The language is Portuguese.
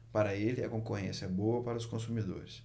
para ele a concorrência é boa para os consumidores